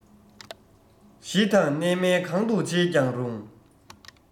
གཞི དང གནས མལ གང དུ བྱེད ཀྱང རུང